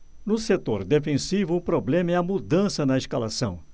no setor defensivo o problema é a mudança na escalação